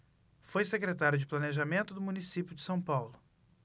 foi secretário de planejamento do município de são paulo